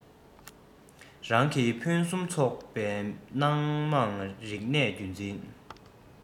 རང གི ཕུན སུམ ཚོགས པའི སྣ མང རིག གནས རྒྱུན འཛིན